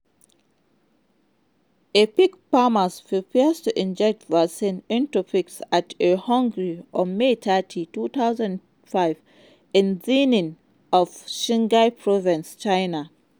A pig farmer prepares to inject vaccines into pigs at a hoggery on May 30, 2005 in Xining of Qinghai Province, China.